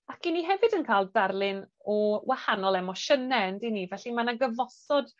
Ac 'yn ni hefyd yn ca'l ddarlun o wahanol emosiyne on'd 'yn ni? Felly ma' 'na gyfosod